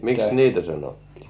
miksi niitä sanottiin